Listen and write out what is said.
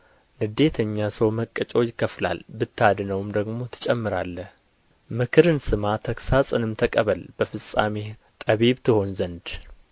ንዴተኛ ሰው መቀጮ ይከፍላል ብታድነውም ደግሞ ትጨምራለህ ምክርን ስማ ተግሣጽንም ተቀበል በፍጻሜህ ጠቢብ ትሆን ዘንድ